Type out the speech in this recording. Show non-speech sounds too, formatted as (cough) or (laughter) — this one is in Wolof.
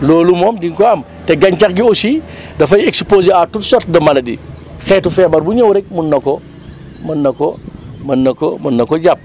loolu moom di nga ko am te gàncax gi aussi (breath) dafay exposé à toute sorte de maladie (noise) xeetu feebar bu ñëw rek mun na ko (noise) mën na ko (noise) mën na ko mën na ko jàpp